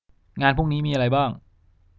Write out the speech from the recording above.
งานพรุ่งนี้มีอะไรบ้าง